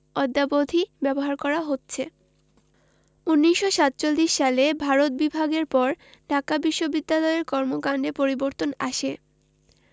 অদ্যাবধি ব্যবহার করা হচ্ছে ১৯৪৭ সালে ভারত বিভাগের পর ঢাকা বিশ্ববিদ্যালয়ের কর্মকান্ডে পরিবর্তন আসে